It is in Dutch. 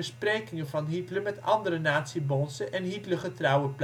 van Hitler met andere nazi-bonzen en Hitlergetrouwen